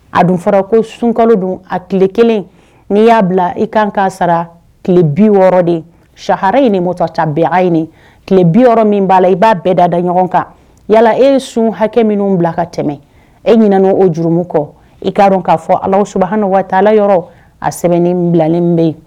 A dun fɔra ko sun kalo don a tile kelen n'i y'a bila i ka kan k'a sara tile bi wɔɔrɔ de sahara in motata bɛn ye tile bi min b'a la i b'a bɛɛ da da ɲɔgɔn kan yala e ye sun hakɛ minnu bila ka tɛmɛ e ɲin' oo jurumu kɔ i kaa dɔn k'a fɔ ala nɔgɔ taa yɔrɔ a sɛbɛnnen bilanen bɛ yen